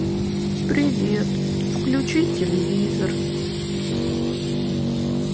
привет включи телевизор